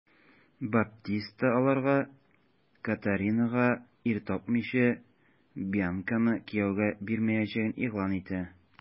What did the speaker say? Баптиста аларга, Катаринага ир тапмыйча, Бьянканы кияүгә бирмәячәген игълан итә.